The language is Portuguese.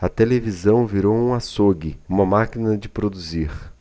a televisão virou um açougue uma máquina de produzir